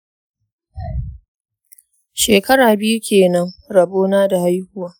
shekara biyu kenan rabona da haihuwa